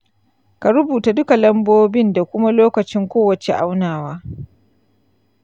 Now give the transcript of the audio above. ka rubuta duka lambobin da kuma lokacin kowace aunawa.